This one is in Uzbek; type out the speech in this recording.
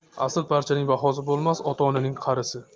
asl parchaning bahosi bo'lmas ota onaning qarisi